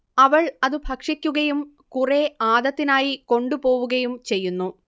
അവൾ അതു ഭക്ഷിക്കുകയും കുറേ ആദത്തിനായി കൊണ്ടുപോവുകയും ചെയ്യുന്നു